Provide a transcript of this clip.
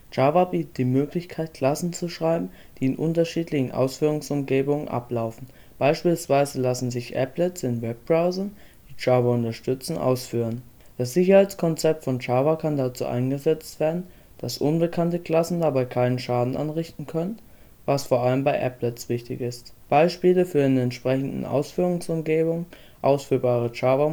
Java bietet die Möglichkeit, Klassen zu schreiben, die in unterschiedlichen Ausführungsumgebungen ablaufen. Beispielsweise lassen sich Applets in Webbrowsern, die Java unterstützen, ausführen. Das Sicherheitskonzept von Java kann dazu eingesetzt werden, dass unbekannte Klassen dabei keinen Schaden anrichten können, was vor allem bei Applets wichtig ist (siehe auch Sandbox). Beispiele für in entsprechenden Ausführungsumgebungen ausführbare Java-Module